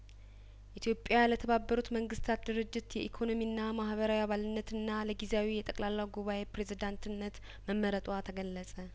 ኢትዮጵያ ለተባበሩት መንግስታት ድርጅት የኢኮኖሚና ማህበራዊ አባልነትና ለጊዜያዊ የጠቅላላው ጉባኤ ፕሬዚዳንትነት መመረጧ ተገለጸ